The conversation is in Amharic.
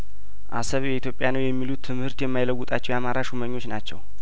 አሰብ የኢትዮጵያ ነው የሚሉት ትምህርት የማይለውጣቸው የአማራ ሹመኞች ናቸው